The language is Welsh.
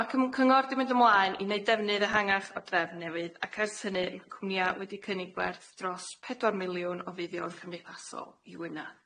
Ma' cym- cyngor di mynd ymlaen i neud defnydd ehangach o drefn newydd ac ers hynny ma' cwmnïa wedi cynnu gwerth dros pedwar miliwn o fuddion cymdeithasol i Wynedd.